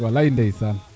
walaay ndeysaan